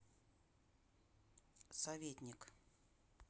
советник